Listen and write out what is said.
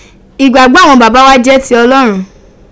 Igbagbo awon baba wa je ti Olorun.